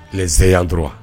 Nin seyatura wa